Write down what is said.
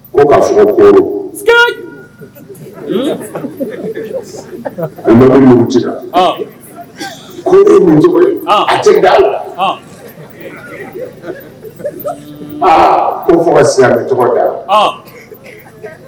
Ka fɔ ko ci la cogo a da ko fo si cogo